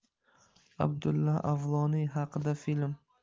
abdulla avloniy haqida film